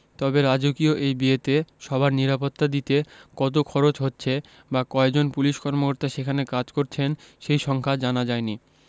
তবে রাজকীয় এই বিয়েতে সবার নিরাপত্তা দিতে কত খরচ হচ্ছে বা কয়জন পুলিশ কর্মকর্তা সেখানে কাজ করছেন সেই সংখ্যা জানা যায়নি